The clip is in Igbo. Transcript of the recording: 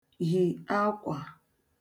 hì akwà